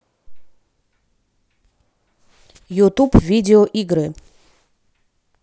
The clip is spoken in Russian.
ютуб видео игры